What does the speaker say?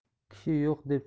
kishi yo'q deb